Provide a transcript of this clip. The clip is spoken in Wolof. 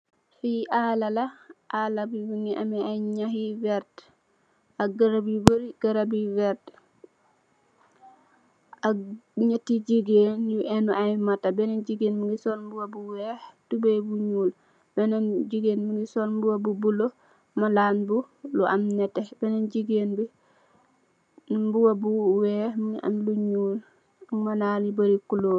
Fii aalah la, aalah bii mungy ameh aiiy njahh yu vertue, ak garab yu bari garab yu vertue, ak njehti gigain yu ehndu aiiy matah, benen gigain bii mungy sol mbuba bu wekh tubeiyy bu njull, benen gigain bii mungy sol mbuba bu bleu, malan bu lu am lu nehteh, benen gigain bii mbuba bu wekh, mungy am lu njull, malan yu bari couleur.